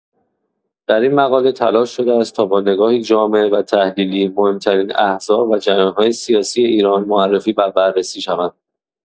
در این مقاله تلاش شده است تا با نگاهی جامع و تحلیلی، مهم‌ترین احزاب و جریان‌های سیاسی ایران معرفی و بررسی شوند.